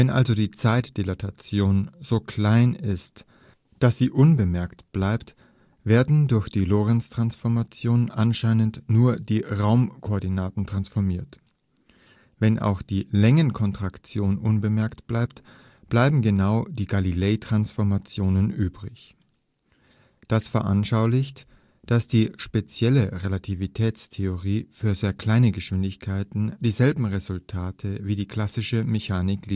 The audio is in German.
also die Zeitdilatation so klein ist, dass sie unbemerkt bleibt, werden durch die Lorentztransformation anscheinend nur die Raumkoordinaten transformiert. Wenn auch die Längenkontraktion unbemerkt bleibt, bleiben genau die Galilei-Transformationen übrig. Das veranschaulicht, dass die spezielle Relativitätstheorie für sehr kleine Geschwindigkeiten dieselben Resultate wie die klassische Mechanik